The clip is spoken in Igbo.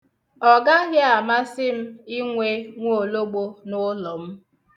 Ọgaghị amasị m inwe nwoologbo n'ụlọ m.